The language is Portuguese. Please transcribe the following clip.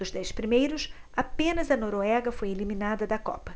dos dez primeiros apenas a noruega foi eliminada da copa